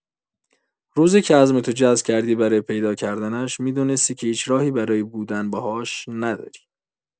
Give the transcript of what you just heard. روزی که عزمتو جزم کردی برای پیدا کردنش می‌دونستی که هیچ راهی برای بودن باهاش نداری.